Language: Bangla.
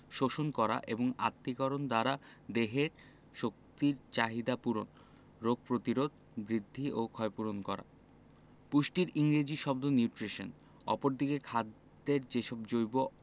শোষণ করা এবং আত্তীকরণ দ্বারা দেহে শক্তির চাহিদা পূরণ রোগ প্রতিরোধ বৃদ্ধি ও ক্ষয়পূরণ করা পুষ্টির ইংরেজি শব্দ নিউট্রিশন অপরদিকে খাদ্যের যেসব জৈব